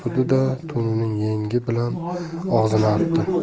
da to'nining yengi bilan og'zini artdi